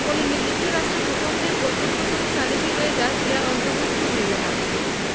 কোন নির্দিষ্ট রাষ্ট্রের ভূখন্ডে প্রদত্ত কোন সালিসী রোয়েদাদ ইহার অন্তর্ভুক্ত হইবে না